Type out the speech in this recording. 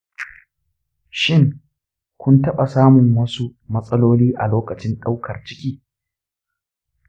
shin, kun taɓa samun wasu matsaloli a lokacin ɗaukar ciki?